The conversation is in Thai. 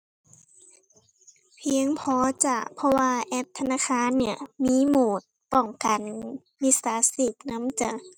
เพียงพอจ้ะ เพราะว่าแอปธนาคารเนี่ยมีโหมด ป้องกันมิจฉาชีพนำจ้ะ